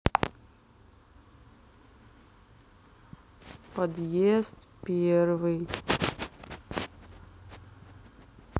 подъезд первый